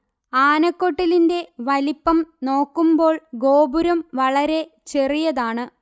ആനക്കൊട്ടിലിന്റെ വലിപ്പം നോക്കുമ്പോൾ ഗോപുരം വളരെ ചെറിയതാണ്